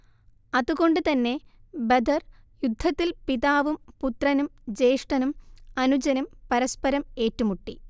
അത് കൊണ്ട് തന്നെ ബദർ യുദ്ധത്തിൽ പിതാവും പുത്രനും ജ്യേഷ്ഠനും അനുജനും പരസ്പരം ഏറ്റുമുട്ടി